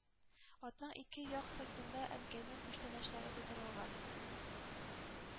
Атның яке як сыртында Әнкәйнең күчтәнәчләре тутырылган